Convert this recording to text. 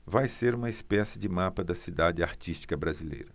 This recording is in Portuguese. vai ser uma espécie de mapa da cidade artística brasileira